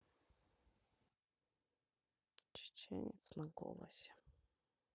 чеченец на голосе